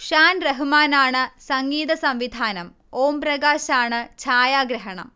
ഷാൻ റഹ്മാനാണ് സംഗീതസംവിധാനം, ഓം പ്രകാശാണ് ഛായാഗ്രഹണം